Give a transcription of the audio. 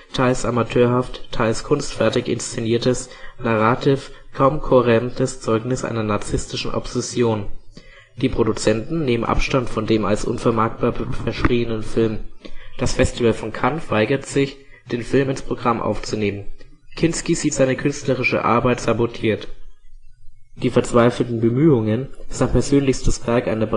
teils amateurhaft, teils kunstfertig inszeniertes, narrativ kaum kohärentes Zeugnis einer narzistischen Obsession. Die Produzenten nehmen Abstand von dem als unvermarktbar verschrieenen Film; das Festival von Cannes weigert sich, den Film ins Programm aufzunehmen. Kinski sieht seine künstlerische Arbeit sabotiert. Die verzweifelten Bemühungen, sein persönlichstes Werk einer breiten